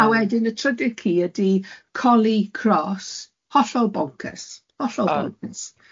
A wedyn y trydydd ci ydy coli cross, hollol boncyrs, hollol boncyrs.